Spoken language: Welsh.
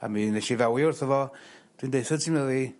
A mi nesh i ddawi wrtho fo dwi'n deutho ti' medda fi